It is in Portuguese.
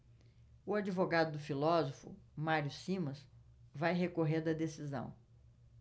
o advogado do filósofo mário simas vai recorrer da decisão